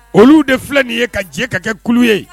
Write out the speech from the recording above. Olu de filɛ nin ye ka jɛ ka kɛ kulu ye